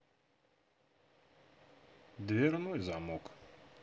дверной замок